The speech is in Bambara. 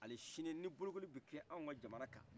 hali sini ni bolokoli bɛ kɛ anw ka jamana kan